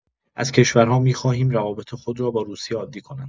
از کشورها می‌خواهیم روابط خود را با روسیه عادی کنند.